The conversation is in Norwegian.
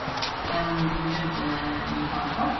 Vi begynte i Bangkok.